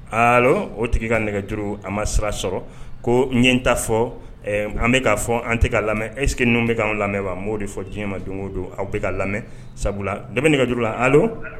Allo o tigi ka nɛgɛjuru a ma sira sɔrɔ koo ɲe n ta fɔ ɛɛ an bɛ k'a fɔɔ an tɛ ka lamɛ '' est ce que ninnu be k'anw lamɛ wa n b'o de fɔ diɲɛ ma doŋo don aw bɛ ka lamɛ sabula dɔ be nɛgɛjuru la allo